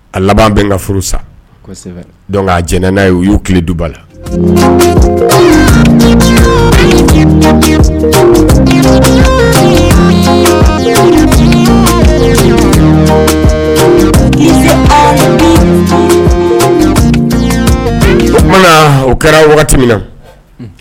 A laban bɛ n ka furu sa jɛnɛ'a ye u y'u ki duba la oumana o kɛra min na